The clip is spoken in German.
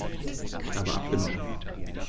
Ich habe abgenommen.